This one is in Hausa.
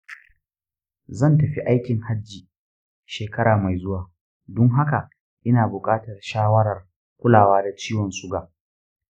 zan tafi aiki hajji shekara mai zuwa dun haka ina buƙatar shawarar kulawa da ciwon suga.